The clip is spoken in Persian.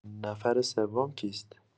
نفر سوم کیست؟